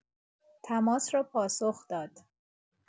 تماس را پاسخ داد.